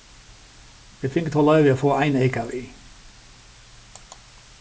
vit fingu tó loyvi at fáa ein eyka við